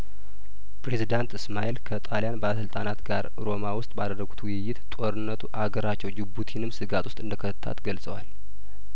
ፕሬዚዳንት እስማኤል ከጣሊያን ባለስልጣናት ጋር ሮማ ውስጥ ባደረጉት ውይይት ጦርነቱ አገራቸው ጅቡቲንም ስጋት ውስጥ እንደከተታት ገልጸዋል